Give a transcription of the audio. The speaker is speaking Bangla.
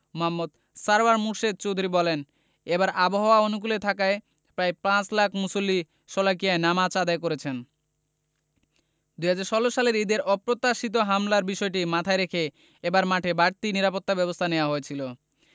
মো. সারওয়ার মুর্শেদ চৌধুরী বলেন এবার আবহাওয়া অনুকূলে থাকায় প্রায় পাঁচ লাখ মুসল্লি শোলাকিয়ায় নামাজ আদায় করেছেন ২০১৬ সালের ঈদের অপ্রত্যাশিত হামলার বিষয়টি মাথায় রেখে এবার মাঠে বাড়তি নিরাপত্তাব্যবস্থা নেওয়া হয়েছিল